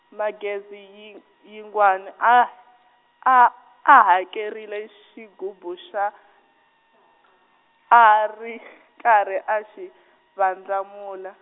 Magezi Ying- Yingwani ah- a a hakarhile xigubu xa , a ha ri karhi a xi vandlamula.